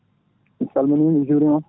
mi salminima mi jurimama